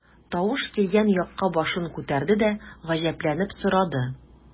Тавыш килгән якка башын күтәрде дә, гаҗәпләнеп сорады.